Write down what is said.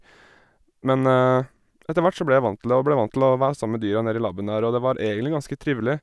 Men etter hvert så ble jeg vant til det, og ble vant til å være sammen med dyra nedi laben der, og det var egentlig ganske trivelig.